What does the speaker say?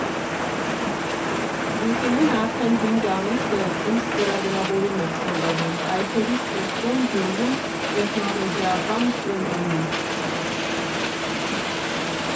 Լուսինեն արդեն հինգ ամիս էր, ինչ ծրագրավորում էր սովորում՝ կայքերի ստեղծում, Գյումրու տեխնոլոգիական կենտրոնում։